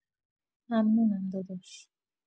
ممنونم داداش